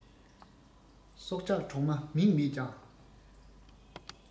སྲོག ཆགས གྲོག མ མིག མེད ཀྱང